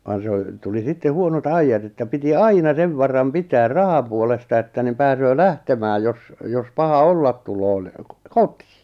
vaan se on tuli sitten huonot ajat että piti aina sen varan pitää rahapuolesta että niin pääsee lähtemään jos jos paha olla tulee niin kotiin